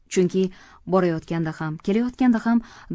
chunki borayotganda ham kelayotganda ham